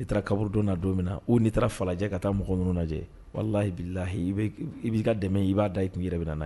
I taara kaburudonna don min u n'i falajɛjɛ ka taa mɔgɔ minnu lajɛ wala' lahi i i b'i dɛmɛ i b'a da i kun yɛrɛ bɛ na